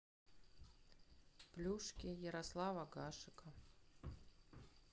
плюшки ярослава гашека